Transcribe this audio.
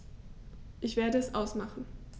Ich werde es ausmachen